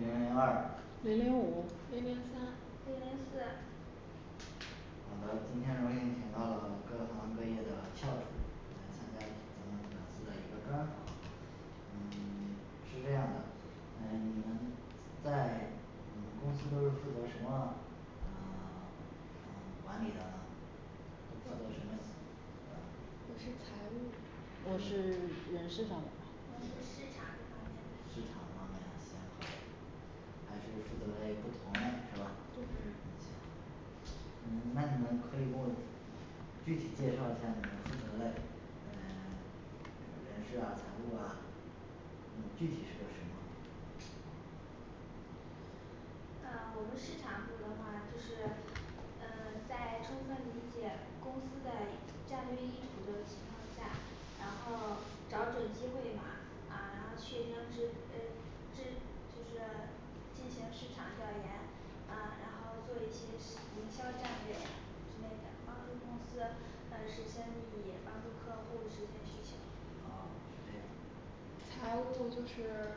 零零二零零五零零三零零四好的，今天荣幸请到了各行各业的翘楚来参加咱们本次的一个专访，嗯 是这样的呃你们在你们公司都是负责什么嗯 管理的呢做的什么呃我是财务我是 人事的我是市场这方面市的场方面行好嘞还是负责嘞不同嘞是吧对嗯嗯那你们可以跟我具体介绍一下你负责嘞啊人事啊财务啊，你具体是做什么呃我们市场部的话，就是呃在充分理解公司的战略意图的情况下，然后找准机会嘛，啊然后确定是呃是就是进行市场调研，啊然后做一些营销战略呀之类的，帮助公司来实现利益，帮助客户实现需求好，没有财务就是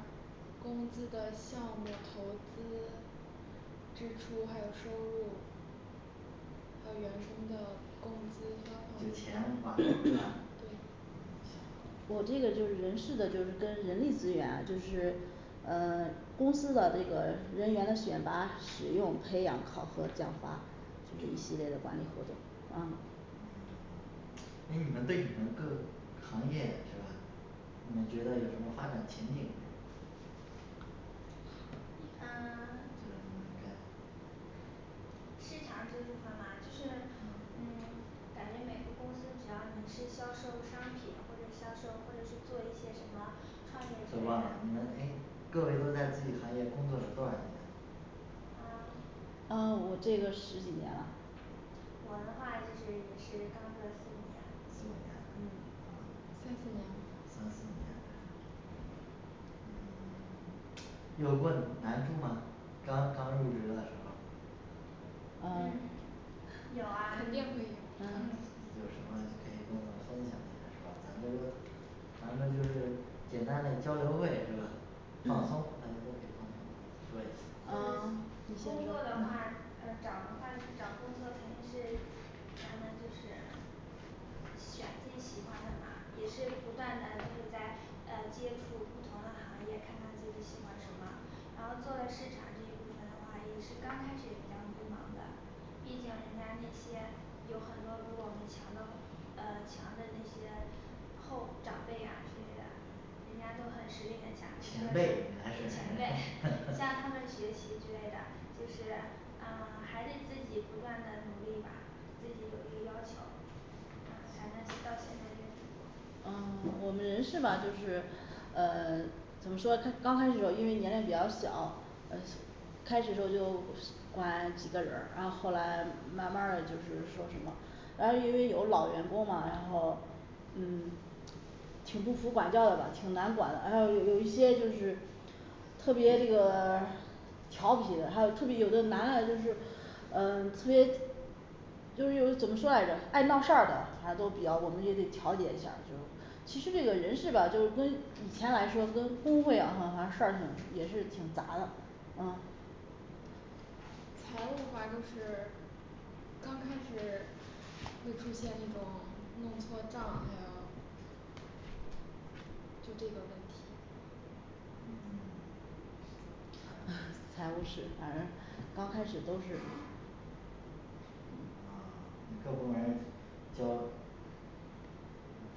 公司的项目投资支出还有收入还有员工的工资就是发放钱挂钩 的 对嗯行我这个就是人事的就是跟人力资源啊就是嗯公司的这个人员的选拔，使用，培养，考核，奖罚就是一系列的管理活动啊。以你们对整个行业是吧？你们觉得有什么发展的前景没 市场这部分呢，就是嗯感觉每个公司只要你是销售商品或者销售或者是做一些什么创我业忘了你阶们诶段各位都在自己行业工作了多少年？啊嗯我这个十几年了我的话就是是刚过十五年十五年嗯三四年三四年 嗯嗯有啊肯定会有什么可以跟我们分享一下说咱这都咱们就是简单的交流会是吧？放松那你就可以放松说一下嗯你工作的话，呃找的话就找，工作肯定是咱们就是选自己喜欢的嘛也是不断的就是在呃接触不同的行业，看看自己喜欢什么然后做了市场这一部分的话，也是刚开始比较迷茫的毕竟人家那些有很多比我们强的呃强的那些后长辈啊之类的人家都很实力很强，前前辈辈应该是 向他们学习之类的，就是啊还得自己不断的努力吧自己有一个要求。反正是到现在这个地步嗯 我们人事吧就是呃 怎么说，他刚开始有因为年龄比较小呃开始时候就管几个人儿，然后后来慢慢儿的就是说什么，然后因为有老员工嘛然后嗯挺不服管教的吧，挺难管，然后有有一些就是特别这个 调皮的，还有特别有的男就是呃特别就是有怎么说来着爱闹事儿还都比较我们也得调解一下儿其实这个人事吧，就是跟以前来说跟工会啊好好像事儿也是挺杂的嗯财物吧就是刚开始会出现那种弄错账，还有就这个问题嗯 财务是，反正刚开始都是啊你各部门儿交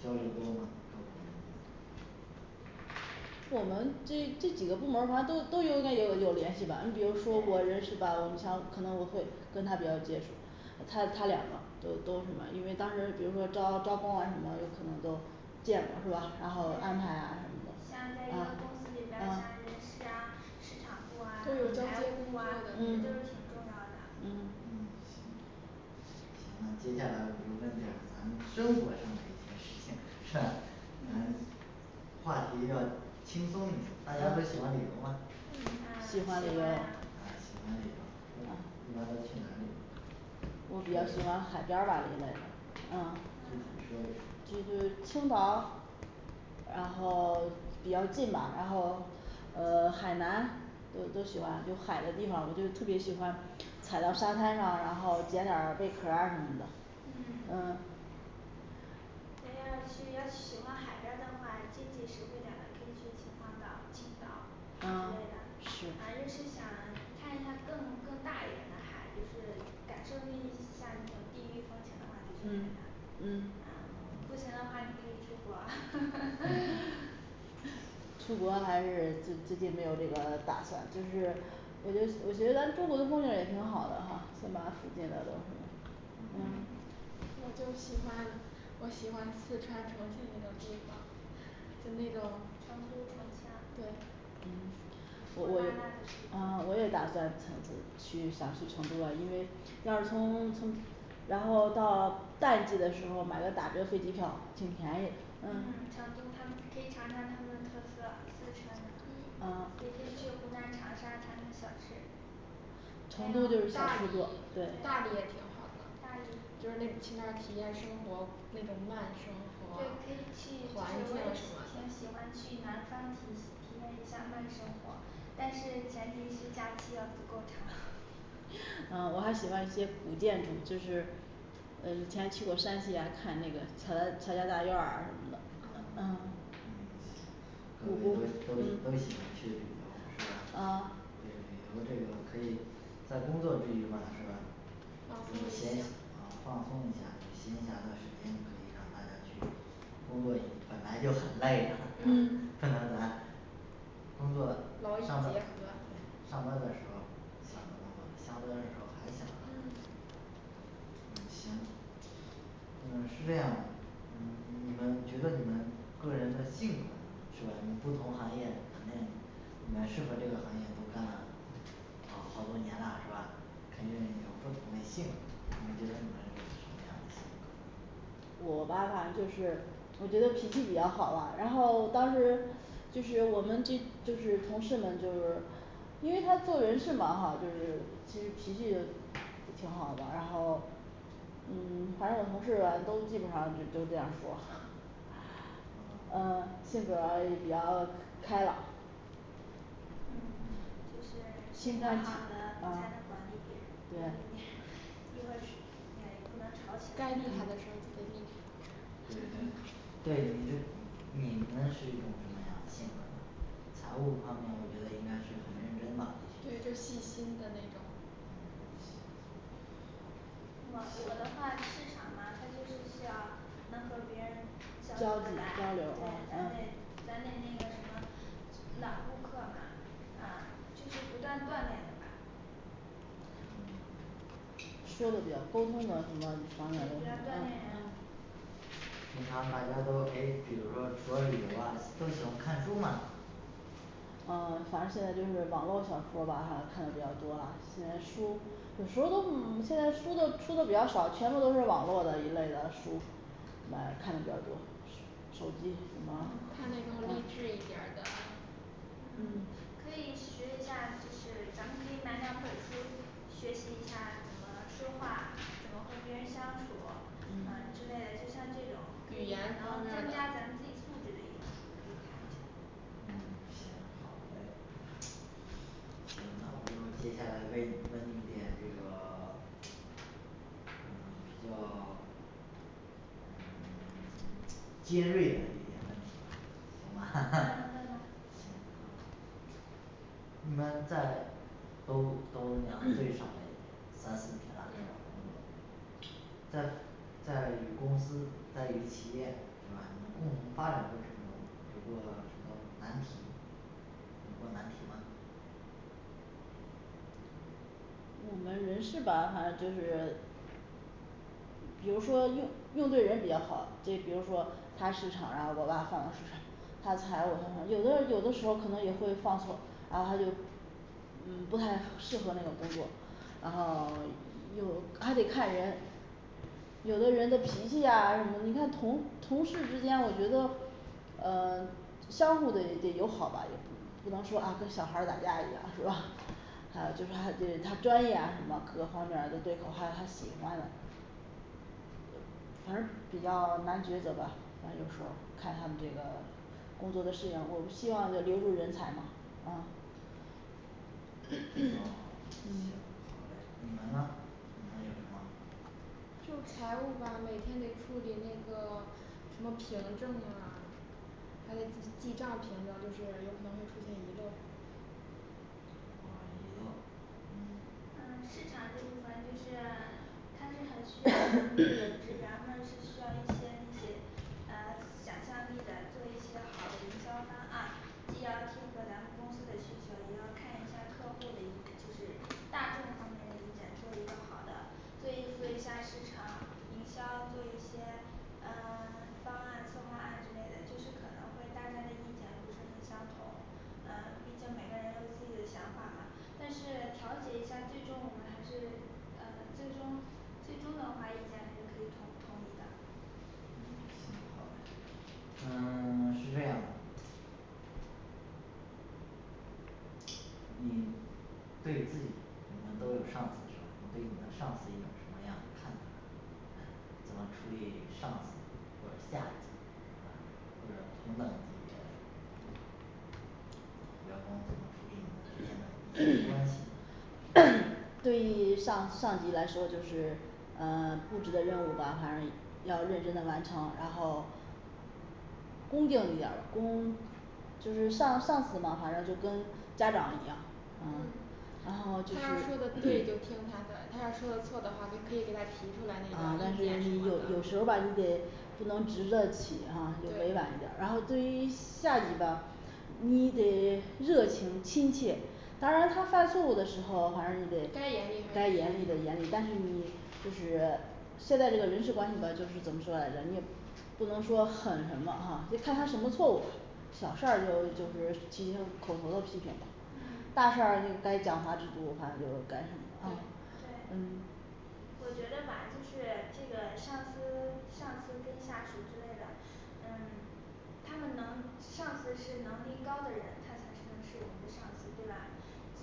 交流多吗各部门的我们这这几个部门儿反正都都应该有有联系吧，你比如说我人事吧，我们想可能我会跟她比较接触她她两个都都什么，因为当时比如说招招工啊什么有可能都见过是吧？然后安排啊什么像在一的，啊个公司里边儿像嗯人事啊市场部啊都有交财接务工部作啊都是的挺重要的嗯嗯行话题要轻松一些，大家都喜欢旅游吗嗯嗯喜喜欢欢啊喜欢旅游。喜欢都去哪里旅游我比较喜欢海边儿吧一类的嗯具体这说一下儿个青岛然后比较近吧然后呃海南都都喜欢有海的地方，我就特别喜欢踩到沙滩上，然后捡点儿贝壳儿啊什么的嗯嗯谁要去有喜欢海边儿的话，经济实惠点儿的可以去秦皇岛青岛之类的嗯，反正是是想看一下更更大一点的海，就是感受面积一下那个地域风情的话就去海嗯南啊嗯不行的话你可以出国 出国还是最最近没有这个打算？就是我觉得我觉得咱中国的风景也挺好的哈，先把附近的东西嗯我就喜欢我喜欢四川重庆那种地方，就那种商都城下对嗯就大大的折扣我我嗯我也打算成都去想去成都了因为要是从从然后到淡季的时候买个打折飞机票挺便宜的嗯成都它们可以查查它们的特色也嗯可以去湖南长沙尝尝小吃成都就是大一个，大一面小画家就是去那儿体验生活那种慢生对大的可以去活体验，去南方体体验一下慢生活，但是前提是假期要足够长 嗯我还喜欢一些古建筑，就是嗯以前去过山西啊看那个乔家乔家大院儿什么的嗯嗯嗯我我们可以嗯挑一个都嗯喜欢去的地方是呃吧。以后可以在工作之余嘛是吧我们先啊放松一下，闲暇的时间可以让大家去工作已经本来就很累了不能嗯嗯咱工作的劳逸结上班合上班的时候想着工作下班的时候还想着工作嗯行。嗯是这样的，你们觉得你们个人的性格是吧？你不同行业的肯定你们适合这个行业都干了好好多年啦是吧？肯定有不同嘞性格你们觉得部门有什么样的性格？我吧反正就是我觉得脾气比较好吧，然后当时就是我们这就是同事们就是因为在做人事嘛哈就是其实脾气都挺好的，然后嗯反正有同事吧都基本上都这样说， 嗯性格儿也比较开 开朗嗯就是性格好的才能嗯管理别人对，也不能吵起该来厉害的时候儿就得厉害对对对对，你这你们是一种什么样的性格呢财务方面我觉得应该是很认真吧对就是细心的那种我我的话市场嘛它就是需要能和别人交交际交流流的对嗯咱得嗯咱得那个什么老顾客嘛啊就是不断锻炼的吧说的比较沟通的什么需要当锻炼然呀平常大家都诶比如说除了旅游啊都喜欢看书嘛呃反正现在就是网络小说儿吧好像看的比较多了，现在书有时候现在书都出的比较少，全部都是网络的一类的书来看的比较多，手机网看那种励志一点儿的嗯可以学一下就是咱们可以买两本儿书，学习一下怎么说话怎么会跟人相处嗯嗯之类的，就像这种语，言然方后面儿增加咱的们自己素质的一种书可以看嗯行好嘞，行，那我就接下来问问一点，这个嗯比较嗯 尖锐的问题吧行那你问吧吧 你们在都都是两倍上的呃问题，三四年了是吧在在于公司在于企业是吧，你们共同发展过程中，有过什么难题有过难题吗我们人事吧反正就是比如说用用对人比较好，再比如说他市场啊我把他放到市场，他财务啊有的有的时候可能也会放错，然后他就嗯不太适合那种工作，然后又还得看人有的人的脾气啊什么，你看同同事之间我觉得呃相互得得友好吧，也不能说啊跟小孩儿打架一样是吧还有就是她的她专业什么各个方面都对口，还有他喜欢的反正比较难抉择的，反正有时候看他们这个工作的事情，我们需要留住人才嘛嗯好，好嘞 嗯你们呢，你们有什么就财务吧每天得处理那个什么凭证啊，还有记记账型的，就是有可能会出现遗漏。啊遗漏嗯大众方面的意见，做一个好的，所以做一下市场营销，做一些嗯 方案策划案之类的，就是可能会大家的意见不是很相同，呃毕竟每个人有自己的想法嘛但是调解一下，最终我们还是啊最终最终的话意见还是可以统统一的嗯 是这样的你对自己你们都有上司的时候，你对你的上司有什么样的看法怎么处理上司或者下一级啊或者同等级别的 对于上上级来说就是，啊布置的任务吧反正要认真的完成，然后恭敬一点儿恭就是上上司嘛反正就跟家长一样，嗯然后他说的对，就听他要说的错的话，就可以给他提出来那种但意是见什么有的，时候吧你得不能直着起哈就委婉一对点儿，然后对下级吧你得热情亲切，当然他犯错误的时候，还是你得该该严严厉还厉的是严厉，但是你就是现在这个人事管理吧就是怎么说来着，你也不能说很什么啊，就看他什么错误小事儿就是就是进行口头的批评了。嗯，大事儿该奖罚制度反正就是该什么噢对嗯对我觉得吧就是这个上司上司跟下属之类的嗯他们能上司是能力高的人，他才是能是我们的上司对吧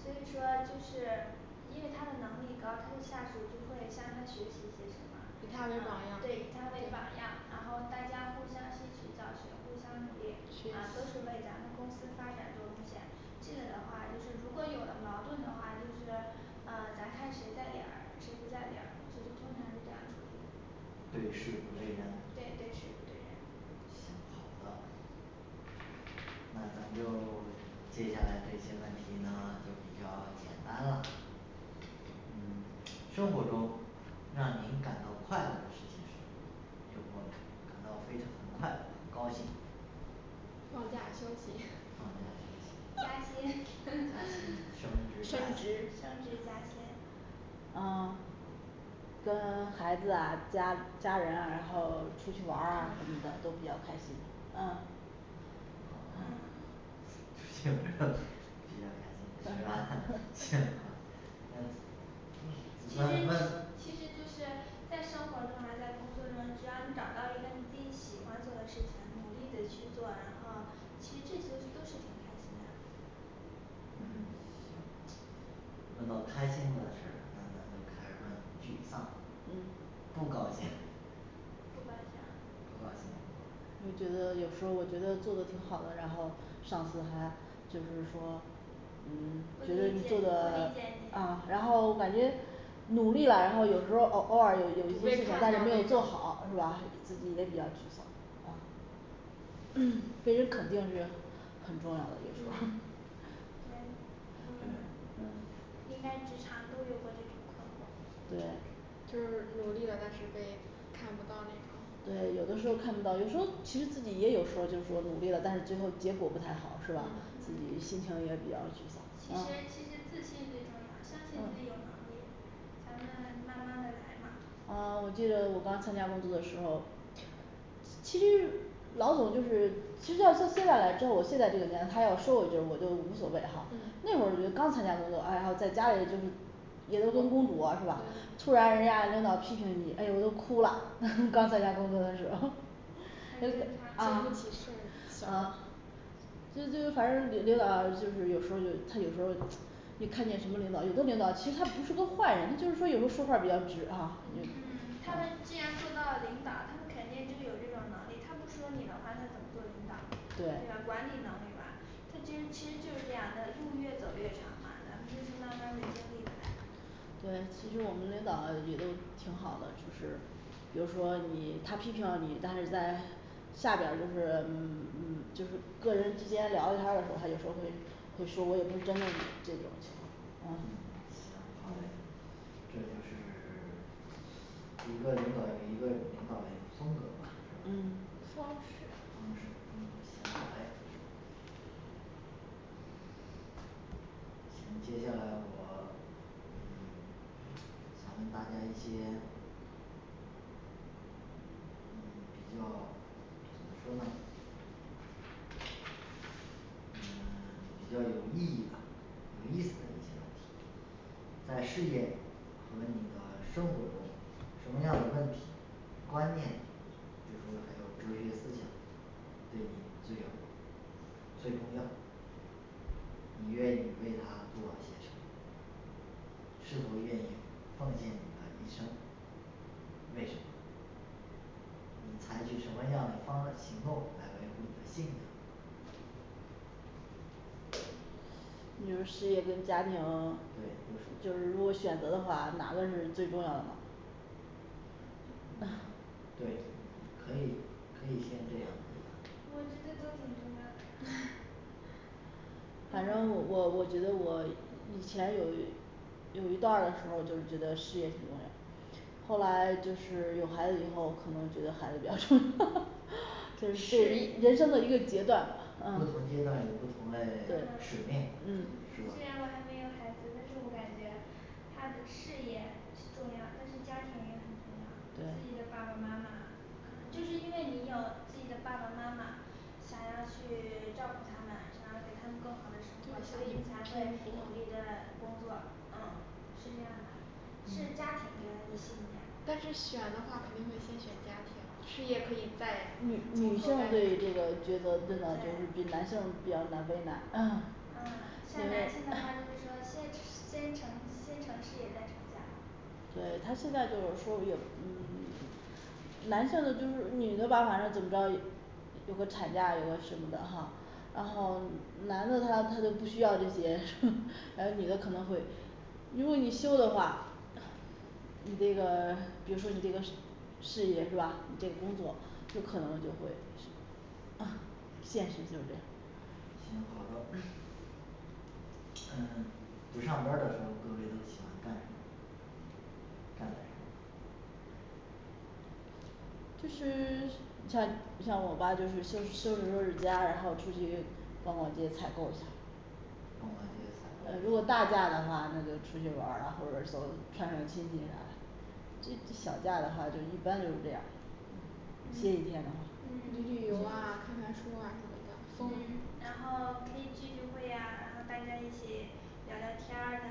所以说就是因为他的能力高，他的下属就会向他学习一些什么以他为榜样对以他为榜样然后大家互相吸取教训，互相努力啊都行是为咱们公司发展做贡献这个的话就是如果有了矛盾的话，就是呃咱看谁在理儿，谁不在理儿，就是通常是这样处理的对事不对人对对事不对人好的那咱就接下来这些问题呢就比较简单了感到非常快乐很高兴放假休息放假休息加薪加 薪升升职职升职加薪呃跟孩子啊家家人啊然后出去玩儿啊什么的都比较开心嗯嗯嗯其实问问其实就是在生活中啊在工作中，只要你找到一个你自己喜欢做的事情，努力的去做然后其实这些都是挺开心的嗯行聊到开心的事儿那咱们就开始问沮丧嗯不高兴不高兴有时候我觉得做的挺好的，然后上司还就是说嗯不理不觉得你理解做的啊你然后感觉努力了，有时候偶尔有一些没事被情，看但是到没有做好是吧也比较沮丧对于肯定是很重要的也就是说嗯嗯嗯还有应该日常都有过这种困惑对就是努力了但是被看不到那种，对有的时候看不到，有时候其实自己也有时候就是说努力了，但是最后结果不太好是吧嗯？心情也比较其实其实自信最重要，相信自己有能力咱们慢慢的来嘛呃我记得我刚参加工作的时候其实老总就是其实在接下来之后，我现在这个年龄他要说我句儿我就无所谓哈嗯，那会儿就刚参加工作，然后在家里就是也都跟公主啊是吧？ 突然人家领导批评你，哎呦我都哭了， 刚参加工作的时候刚参加经啊不起事儿嗯嗯就就反正是领导就是有时候他有时候你看见什么领导，有的领导其实他不是个坏人，他就是说有的说话儿比较直啊嗯嗯他都既然做到领导，他们肯定就有这种能力，他不说你的话他怎么做领导对管理能力吧他这人其实就是这样的，路越走越长嘛，咱们就是慢慢的经历的呗对，其实我们领导也都挺好的。就是比如说你他批评了你，但是在下边儿就是嗯嗯就是个人之间聊聊天儿的时候，他就说会会说我也不是真的这种情况嗯嗯行好嘞。这就是 一个领导有一个领导嘞风格吧嗯方式行接下来我嗯想问大家一些嗯比较怎么说呢嗯 比较有意义的有意思的一些问题在事业和你的生活中什么样的问题，观念就是说还有哲学思想。对你这样最重要。你愿意为他做些什么是否愿意奉献你的一生为什么你采取什么样的方式行动来维护你的信仰你说事业跟家庭对就就是是如果选择的话，哪个是最重要的吗对可以可以先这样反正我我觉得我以前有有一段儿的时候就是觉得事业挺重要后来就是有了孩子以后可能觉得孩子比较重要， 就是人生的一个阶段，嗯不同阶段有不同嘞使命对吧虽然我还没有孩子，但是我感觉他的事业最重要，但是家庭也很重要，自己的对爸爸妈妈可能是因为你有自己的爸爸妈妈想要去照顾他们，想要给他们更好的生活，所以努你才力会的工努作力的工作嗯是这样的是家庭给了你信念，但是选的话肯定会先选家庭事业可以在女女性对这个角色真的就是比男性比较难为难。嗯像男生的话就是说先先成先成事业再成家对，他现在就是说我也嗯男性的就是女的吧反正怎么着有个产假有个什么的哈，然后男的他他就不需要这些， 然后女的可能会如果你休的话你这个比如说你这个事事业是吧？你这个工作就可能就会啊现实就是这样行好的嗯不上班儿的时候，各位都喜欢干什么干点儿什么就是像像我吧就是收收拾收拾家，然后出去逛逛街采购一下逛逛街买如果买菜大假的话，那就出去玩儿了，或者说串串亲戚啥这小假的话就一般就是这样嗯，歇一天旅旅游啊看看书啊什么的然后可以聚聚会啊，然后大家一起聊聊天儿，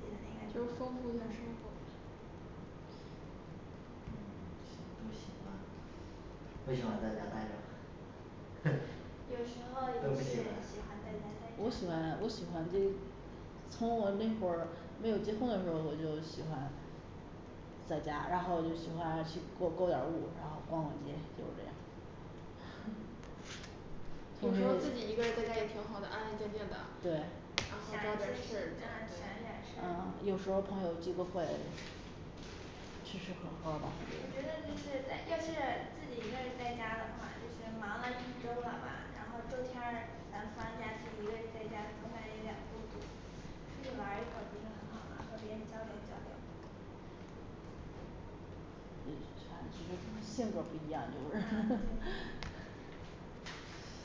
等等自己就的那是丰个富一下生活嗯行都行啊为什么在家待着 有时候也都会喜喜欢欢在家待我喜着欢我喜欢的从我那会儿没有结婚的时候我就喜欢在家然后就喜欢去购购点儿物然后逛逛街就是这样有因时候自为己一个人在家也挺好的安安静静的，对然后找点事儿做对啊有时候朋友聚个会其实很高吧我觉得就是在要是自己一个人在家的话，就是忙了一周了吧，然后周天儿咱们放假就一个人在家，总感觉有点儿孤独出去玩儿一会儿就是很好了，和别人交流交流其实他这个性格儿不一样有人